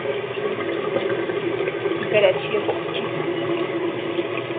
горячие попки